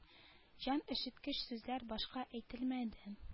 Җан өшеткеч сүзләр башка әйтелмәде